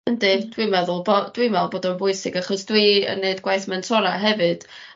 Yndi dwi'n meddwl bo' dwi'n me'wl bod o'n bwysig achos dwi yn neud gwaith mentora hefyd